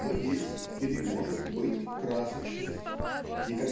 но есть или может быть красочность и